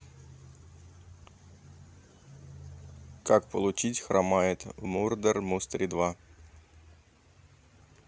как получить хромает в murder mystery два